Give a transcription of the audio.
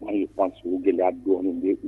Anw ye fanuru gɛlɛya dɔɔnin de